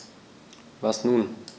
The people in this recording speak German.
Was nun?